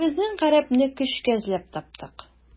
Үзебезнең гарәпне көчкә эзләп таптык.